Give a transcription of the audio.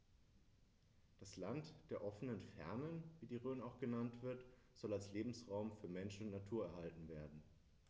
Das „Land der offenen Fernen“, wie die Rhön auch genannt wird, soll als Lebensraum für Mensch und Natur erhalten werden.